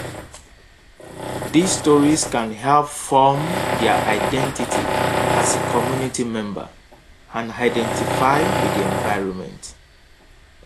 These stories can help form their identity as a community member and identify with the environment.